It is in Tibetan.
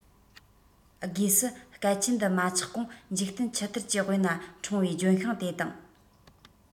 སྒོས སུ སྐལ ཆེན འདི མ ཆགས གོང འཇིག རྟེན ཆུ གཏེར གྱི དབུས ན འཁྲུངས པའི ལྗོན ཤིང དེ དང